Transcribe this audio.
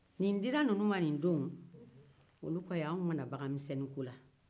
nin dila ninnunw ma nin don oluw ko anw ma na baganminsennin ko la